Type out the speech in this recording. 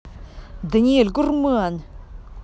daniel гурман